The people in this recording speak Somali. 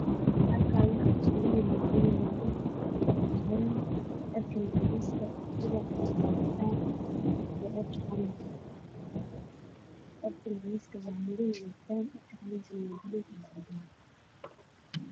Halkan waxaa iskugu imaaday gabdho farabadan xiran dharka ama caweysta dharka calanka dhulka waalaami